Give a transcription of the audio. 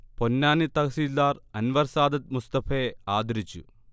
പൊന്നാനി തഹസിൽദാർ അൻവർ സാദത്ത് മുസ്തഫയെ ആദരിച്ചു